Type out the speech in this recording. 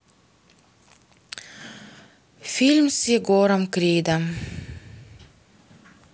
фильм с егором кридом